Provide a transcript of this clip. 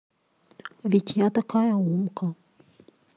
ведь я такая умка